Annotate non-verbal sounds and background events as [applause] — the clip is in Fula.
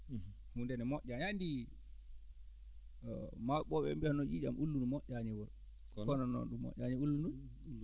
huunde ne moƴƴa andi [hesitation] mawɓe mbiyatnoo ƴiiƴam ullunndu moƴƴaani e wuuro kono noon ɗun moƴƴaani e ullunndu